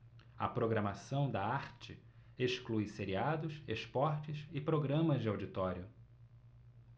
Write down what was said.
a programação da arte exclui seriados esportes e programas de auditório